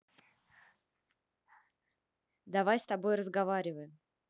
давай с тобой разговариваем